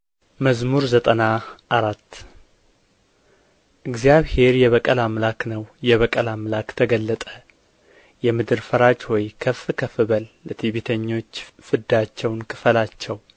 መዝሙር ዘጠና አራት እግዚአብሔር የበቀል አምላክ ነው የበቀል አምላክ ተገለጠ የምድር ፈራጅ ሆይ ከፍ ከፍ በል ለትዕቢተኞች ፍዳቸውን ክፈላቸው